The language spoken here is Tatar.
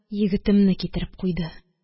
Егетемне китереп куйды